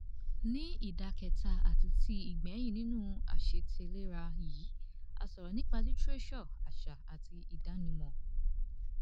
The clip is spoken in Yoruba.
Ní ìdá kẹta àti ti ìgbẹ̀yìn nínú àṣetẹ̀léra yìí, a sọ̀rọ̀ nípa litireso, àṣà àti ìdánimọ̀.